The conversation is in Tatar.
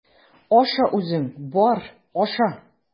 Аша үзең, бар, аша!